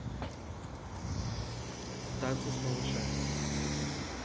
танцы с малышами